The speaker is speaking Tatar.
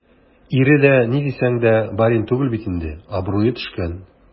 Ире дә, ни дисәң дә, барин түгел бит инде - абруе төшкән.